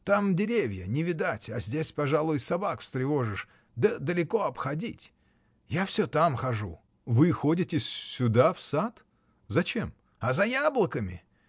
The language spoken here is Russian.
— Там деревья, не видать, а здесь, пожалуй, собак встревожишь да далеко обходить! Я всё там хожу. — Вы ходите. сюда, в сад? Зачем? — А за яблоками!